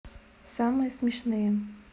самые смешные